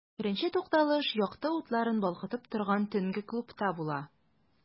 Беренче тукталыш якты утларын балкытып торган төнге клубта була.